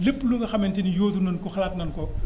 lépp lu nga xamante ni yóotu naénu ko xalaat nañ ko